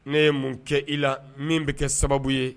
Ne ye mun kɛ i la min bɛ kɛ sababu ye